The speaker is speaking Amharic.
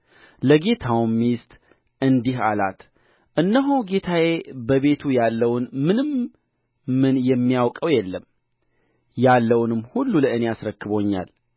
እንዲህም ሆነ በዚያን ጊዜ ሥራውን እንዲሠራ ወደ ቤቱ ገባ በቤትም ውስጥ ከቤት ሰዎች ማንም አልነበረም